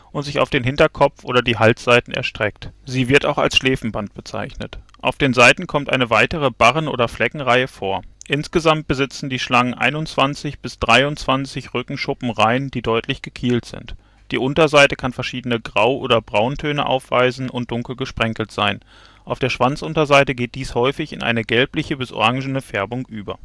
und sich bis auf den Hinterkopf oder die Halsseiten erstreckt. Sie wird auch als Schläfenband bezeichnet. Auf den Seiten kommt eine weitere Barren - oder Fleckenreihe vor. Insgesamt besitzen die Schlangen 21 bis 23 Rückenschuppenreihen, die deutlich gekielt sind. Die Unterseite kann verschiedene Grau - oder Brauntöne aufweisen und dunkel gesprenkelt sein, auf der Schwanzunterseite geht dies häufig in eine gelbliche bis orangene Färbung über